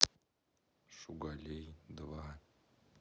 шугалей два